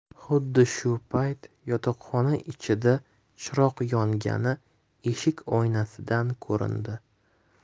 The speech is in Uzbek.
xuddi shu payt yotoqxona ichida chiroq yongani eshik oynasidan ko'rindi